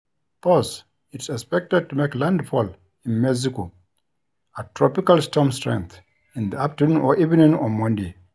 Thus, it's expected to make landfall in Mexico at tropical storm strength in the afternoon or evening on Monday.